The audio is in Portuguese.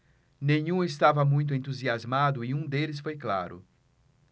nenhum estava muito entusiasmado e um deles foi claro